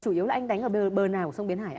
chủ yếu là anh đánh bờ nào sông bến hải ạ